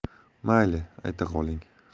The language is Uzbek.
mayli ayta qoling